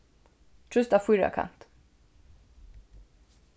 trýst á fýrakant